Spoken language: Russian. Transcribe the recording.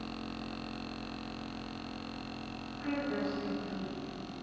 ты зашибись